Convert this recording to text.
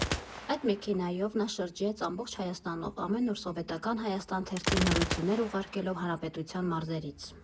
Այդ մեքենայով նա շրջեց ամբողջ Հայաստանով՝ ամեն օր «Սովետական Հայաստան» թերթին նորություններ ուղարկելով հանրապետության մարզերից։